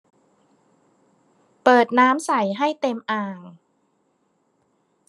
เปิดน้ำใส่ให้เต็มอ่าง